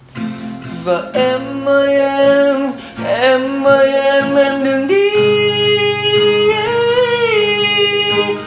và em ơi em em ơi em em đừng đi